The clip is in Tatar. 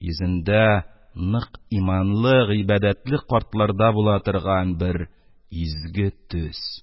Йөзендә нык иманлы, гыйбадәтле картларда була торган бер изге төс.